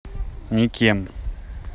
никем